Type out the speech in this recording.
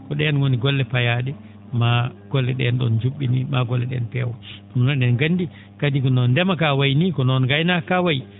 ko ?een woni golle payaa?e maa golle ?een ?oon ju??inii maa golle ?een peew ?um noon en ngandii kadi hono ndema kaa wayi nii ko noon ngaynaaka kaa wayi